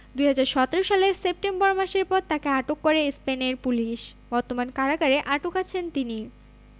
২০১৭ সালের সেপ্টেম্বর মাসের পর তাকে আটক করে স্পেনের পুলিশ বর্তমানে কারাগারে আটক আছেন তিনি